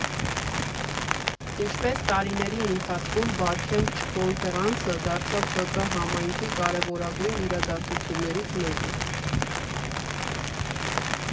Ինչպես տարիների ընթացքում Բարքեմփ չկոնֆերանսը դարձավ ՏՏ֊համայնքի կարևորագույն իրադարձություններից մեկը։